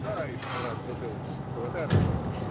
Дай, брат, бутылочку вот этого.